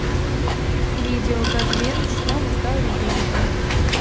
видео когда глент стал снова ребенком